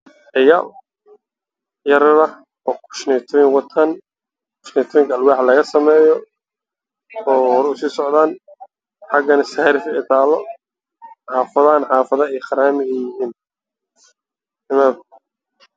meeshaan waxaa ka muuqdo wado waxaa marayo gaari madow ah iyo dhowr wiil oo wataan alaab